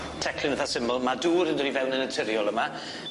Teclyn itha syml, ma' dŵr yn dod i fewn yn naturiol yma.